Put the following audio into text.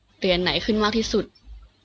เหรียญไหนขึ้นมากที่สุด